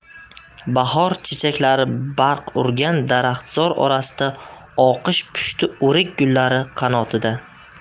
bahor chechaklari barq urgan daraxtzor orasida oqish pushti o'rik gullari qanotida